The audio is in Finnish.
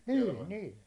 niin niin